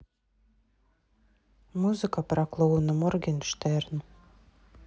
музыка про клоуна моргенштерн